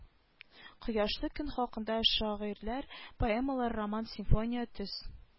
Кояшлы көн хакында шигырьләр поэмалар роман-симфония төз